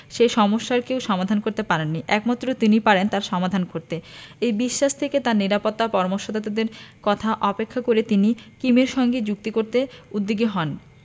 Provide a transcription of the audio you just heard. যে সমস্যার কেউ সমাধান করতে পারেনি একমাত্র তিনিই পারেন তার সমাধান করতে এই বিশ্বাস থেকে তাঁর নিরাপত্তা পরামর্শদাতাদের কথা উপেক্ষা করে তিনি কিমের সঙ্গে চুক্তি করতে উদ্যোগী হন